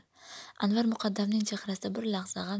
anvar muqaddamning chehrasida bir lahza g'am